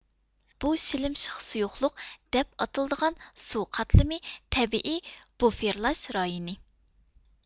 بۇ شىلىمشىق سۇيۇقلۇق دەپ ئاتىلىدىغان سۇ قاتلىمى تەبىئىي بۇففېرلاش رايونى